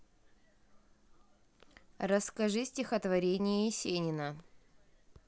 расскажи стихотворение есенина